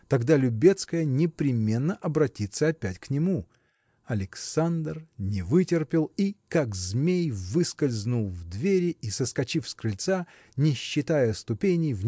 тогда Любецкая непременно обратится опять к нему. Александр не вытерпел и как змей выскользнул в двери и соскочив с крыльца не считая ступеней